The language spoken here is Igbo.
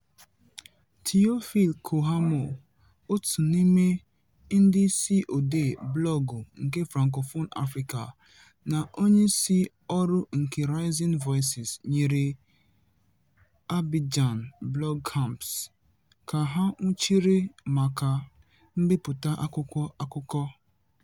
Théophile Kouamouo, otu n'ime ndị isi odee blọọgụ nke Francophone Africa, na onyeisi ọrụ nke Rising Voices nyere Abidjan Blog Camps ka a nwụchiri maka mbipụta akwụkwọ akụkọ.